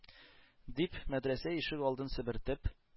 Дип, мәдрәсә ишек алдын себертеп,